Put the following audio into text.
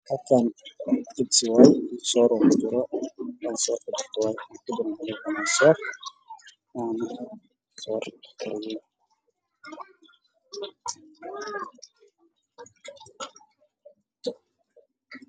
Waa digsi waxaa ku jira soor cadaan ah